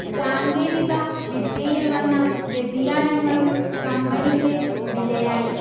സാങ്കേതിക വിദ്യയിൽ വന്ന വ്യതിയാനങ്ങളും കമ്പനിക്ക് വിനയായി